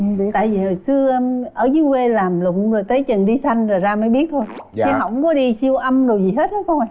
tại vì hồi xưa ở dưới quê làm lụng rồi tới giờ đi xanh ra mới biết thôi chứ không có đi siêu âm gì hết